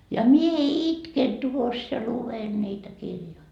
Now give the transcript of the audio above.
ja minä itken tuossa ja luen niitä kirjoja